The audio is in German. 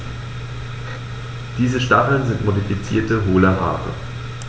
Diese Stacheln sind modifizierte, hohle Haare.